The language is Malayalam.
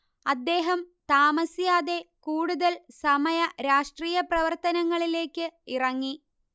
അദ്ദേഹം താമസിയാതെ കൂടുതൽ സമയ രാഷ്ട്രീയ പ്രവർത്തനത്തിലെക്ക് ഇറങ്ങി